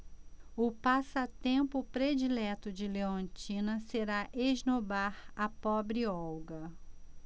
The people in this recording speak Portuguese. o passatempo predileto de leontina será esnobar a pobre olga